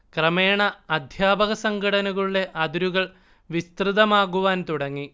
ക്രമേണ അധ്യാപകസംഘടനകളുടെ അതിരുകൾ വിസ്തൃതമാകുവാൻ തുടങ്ങി